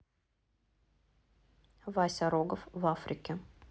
вася рогов в африке